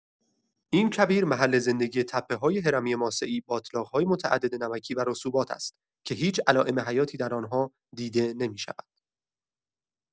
این کویر محل زندگی تپه‌های هرمی ماسه‌ای، باتلاق‌های متعدد نمکی و رسوبات است که هیچ علائم حیاتی در آنها دیده نمی‌شود.